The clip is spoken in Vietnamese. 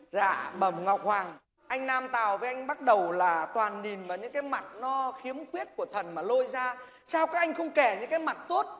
dạ bẩm ngọc hoàng anh nam tào với anh bắc đẩu là toàn nhìn vào những cái mặt nó khiếm khuyết của thần mà lôi ra sao các anh không kể những cái mặt tốt